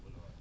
waaw